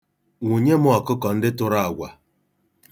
Nwụnye m ọkụkọ ndị tụrụ agwa.